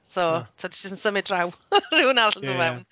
So... yy. ...tibod ti jyst yn symud draw rywun arall yn dod mewn... ie.